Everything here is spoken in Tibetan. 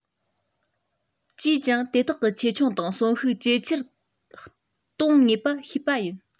ཅིས ཀྱང དེ དག གི ཆེ ཆུང དང གསོན ཤུགས ཇེ ཆར གཏོང ངེས པ ཤེས པ ཡིན